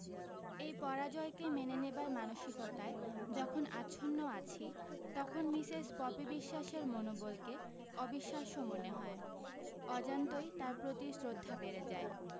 এই পরাজয়কে মেনে নেবার মানসিকতায় যখন আচ্ছন্ন আছি তখন মিসেস পপি বিশ্বাসের মনোবলকে অবিশ্বাস্য বলে মনে হয় অজান্তই তার প্রতি শ্রদ্ধা বেড়ে যায়